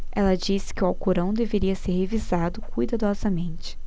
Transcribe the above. ela disse que o alcorão deveria ser revisado cuidadosamente